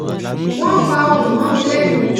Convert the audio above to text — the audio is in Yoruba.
Wọ́n pa ohùn mọ́ mi lẹ́nu!